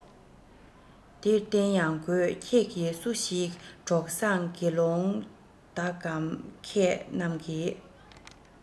དེར བརྟེན ཡང གོས ཁྱེད ཀྱི སུ ཞིག གྲོགས བཟང དགེ སློང དག གམ མཁས རྣམས ཀྱིས